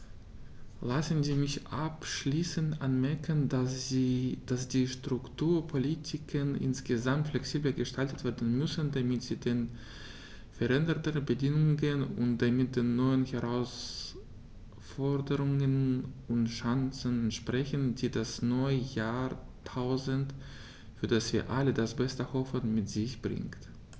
Lassen Sie mich abschließend anmerken, dass die Strukturpolitiken insgesamt flexibler gestaltet werden müssen, damit sie den veränderten Bedingungen und damit den neuen Herausforderungen und Chancen entsprechen, die das neue Jahrtausend, für das wir alle das Beste hoffen, mit sich bringt.